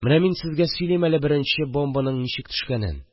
Менә мин сезгә сөйлим әле беренче бомбаның ничек төшкәнен